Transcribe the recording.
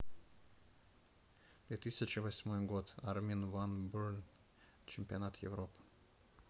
две тысячи восьмой год armin van buuren чемпионат европы